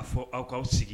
A fɔ aw k'aw sigi